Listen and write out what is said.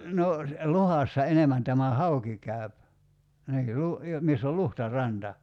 no luhdassa enemmän tämä hauki käy niin -- missä oli luhtaranta